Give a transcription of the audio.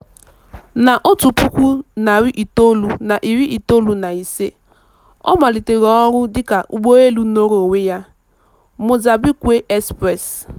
Na 1995, ọ malitere ọrụ dịka ụgbọelu nọọrọ onwe ya, Mozambique Express.